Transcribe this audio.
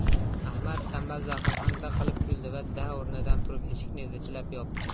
ahmad tanbal zaharxanda qilib kuldi da o'rnidan turib eshikni zichlab yopdi